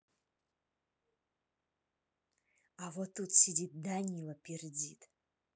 а вот тут сидит данила пердит